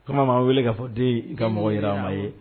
Tuma wele k kaa fɔ den ka mɔgɔ yi ma ye